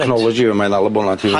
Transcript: Technology fa' 'ma i ddal y bonat